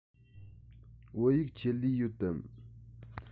བོད ཡིག ཆེད ལས ཡོད དམ